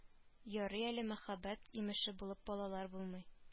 Ярый әле мәхәббәт имеше булып балалар булмый